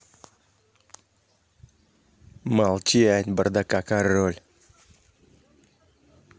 молчать бардака король